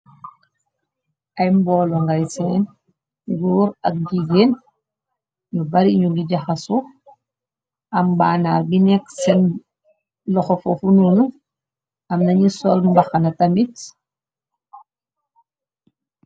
Ay mboolo ngay seen guur ak jiigéen ñu bari ñu gi jaxasu am baanaar bi nekk seen loxofo fununu am nañi sol mbaxana tamit.